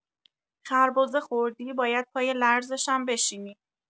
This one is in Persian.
خربزه خوردی باید پای لرزشم بشینی.